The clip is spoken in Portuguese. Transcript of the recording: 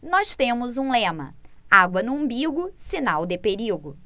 nós temos um lema água no umbigo sinal de perigo